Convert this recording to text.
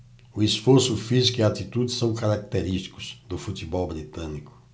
o esforço físico e a atitude são característicos do futebol britânico